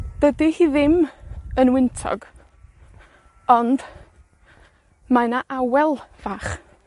Dydi hi ddim yn wyntog, ond, mae 'na awel fach.